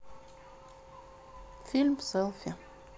фильм селфи